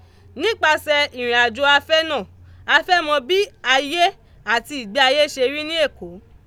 Nípasẹ̀ ìrìnàjò afẹ́ náà, a fẹ́ mọ bí ayé àti ìgbé ayé ṣe rí ní Èkó